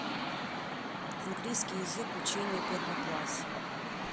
английский язык учение первый класс